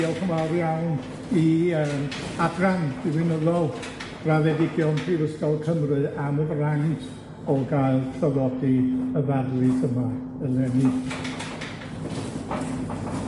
diolch yn fawr iawn i yym Adran Ddiwinyddol Graddedigion Prifysgol Cymru am y fraint o gael traddodi y ddarlith yma eleni.